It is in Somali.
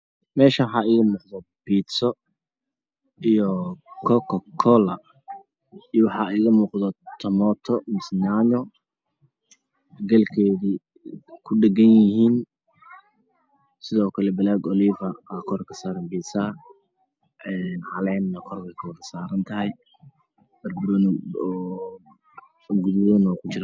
Meshan waxaa iga muuqdo piizo iyo kooka koola waxa iimoqdo yaanyo ama tumaato galkeedi ku dhagan yahay sidoo kle oiizaha plaag oliifa agaa korka karan pozaha caleena wey kasaarantahy parparuuni guduud ah wuu ku jiraa